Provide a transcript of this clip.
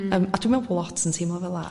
hmm... a dwi me'l bo' lot yn teimlo fela